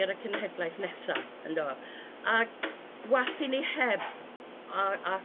ar y cenhedlaeth nesaf yndo? Ag wa'th i ni heb a a